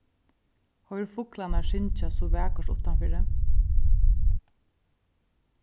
hoyr fuglarnar syngja so vakurt uttanfyri